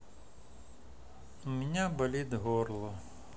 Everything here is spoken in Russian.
у меня болит горло